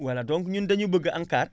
voilà donc ñun dañuy bëgg ANCAR